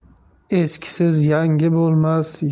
eskisiz yangi bo'lmas